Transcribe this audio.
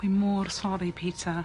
Wi mor sori Peter.